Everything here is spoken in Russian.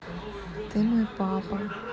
ты мой папа